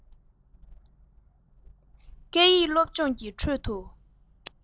སྐད ཡིག སློབ སྦྱོང གི ཁྲོད དུ